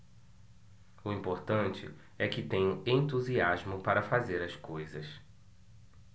o importante é que tenho entusiasmo para fazer as coisas